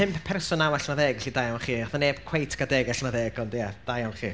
pump person naw allan o ddeg, felly da iawn chi. Wnaeth 'na neb cweit gael ddeg allan o ddeg, ond ia, da iawn i chi.